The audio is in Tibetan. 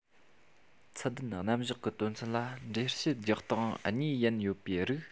ཚད ལྡན རྣམ གཞག གི དོན ཚན ལ འགྲེལ བཤད རྒྱག སྟངས གཉིས ཡན ཡོད པའི རིགས